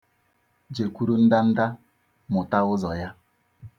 Jekwuru ndanda, mụta ụzọ ya.